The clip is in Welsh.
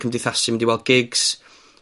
cymdeithasu, mynd i weld gigs...